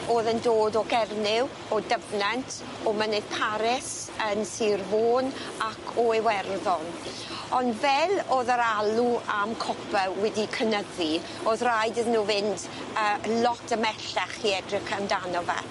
O'dd yn dod o Gernyw o Dyfnant o mynydd Paris yn Sir Fôn ac o Iwerddon ond fel o'dd yr alw am copy wedi cynyddu o'dd raid iddyn n'w fynd yy lot ymhellach i edrych amdano fe.